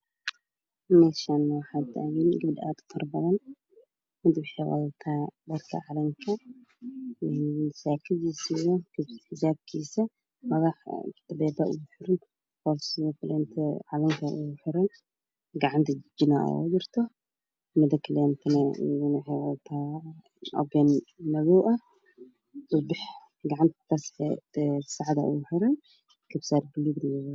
Meeshan waxaa taagan gabdho aad u tira badan mid waxay wadataa calanka soomaliya Saakadiisa iyo garbasaarkiisa madaxa tabeebaa ugujiro qoorta sidookaleeto calankaa ugu xiran gacanta jijinaa ugu jirto midakaletana ayada waxay wadataa oben madoow ah bidixdana sacadaa ugu xiran gabsaar buulug ahn way wadataa